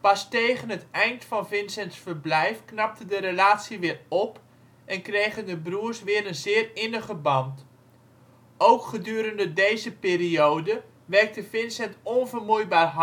Pas tegen het eind van Vincents verblijf knapte de relatie weer op en kregen de broers weer een zeer innige band. Ook gedurende deze periode werkte Vincent onvermoeibaar